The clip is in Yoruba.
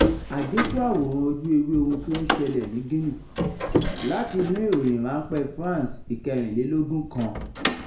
Àgékù àwòrán ojú-ewé ohun tí ó ń ṣẹlẹ̀ ní Guinea láti inú ìròyìn ránpẹ́ France 24 kan.